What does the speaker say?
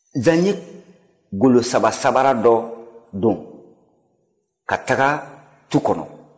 zan ye golosabaraba don ka taga tu kɔnɔ